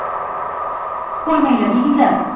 qo'ymanglar yigitlar